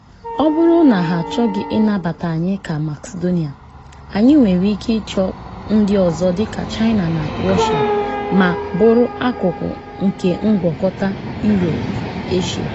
Nyocha ebipụtara na Mọnde gara aga sitere n’aka Ewumewu maka Nyocha Iwu nke Macedonia kwuru n’etiti pasentị 30 na 43 nke ndị ntuli aka ga-esonye na nhọpụta ahụ - na erughi mpụta achọrọ.